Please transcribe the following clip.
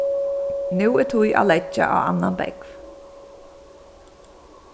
nú er tíð at leggja á annan bógv